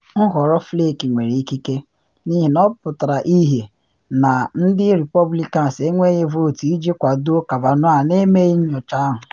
Nhọrọ Flake nwere ikike, n’ihi ọ pụtara ihie na ndị Repọblikans enweghị vootu iji kwado Kavanaugh na emeghị nnyocha ahụ.